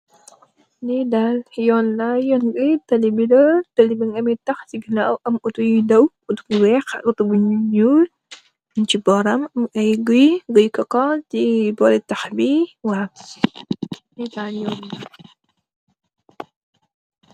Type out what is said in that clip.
Lii daal Yoon la, yoon wi tali bi lë. Tali baa ngi am taax si ganaaw, am Otto yiy daw. Otto bu weex ak otto bu ñuul, ñung ci bóoram. Guy, guy i kooko, ñung ci bóoram, ci boori taax bi, waaw.